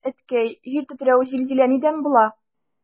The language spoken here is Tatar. Әткәй, җир тетрәү, зилзилә нидән була?